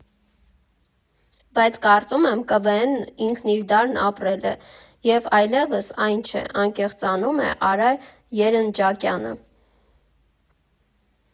Բայց, կարծում եմ, ԿՎՆ֊ն ինքնին իր դարն ապրել է, և այլևս այն չէ», ֊ անկեղծանում է Արա Երնջակյանը։